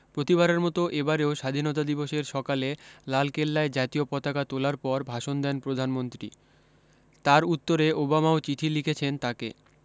প্রতিবারের মতো এবারেও স্বাধীনতা দিবসের সকালে লালকেললায় জাতীয় পতাকা তোলার পর ভাষণ দেন প্রধানমন্ত্রী তার উত্তরে ওবামাও চিঠি লিখেছেন তাঁকে